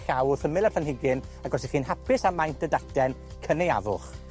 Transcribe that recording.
llaw wrth ymyl y planhigyn, ac os 'ych chi'n hapus â maint y daten, cynaeafwch!